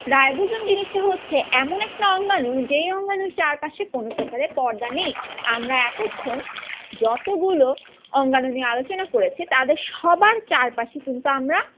ribosome জিনিসটা হচ্ছে এমন এমন একটা অঙ্গানু যে অঙ্গাণুর চারপাশে কোন প্রকারের পর্দা নেই আমরা এতক্ষন যতগুলো অঙ্গানু নিয়ে আলোচনা করেছি তাদের সবার চারপাশে কিন্তু আমরা